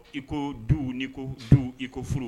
I ko du ni ko su i ko furu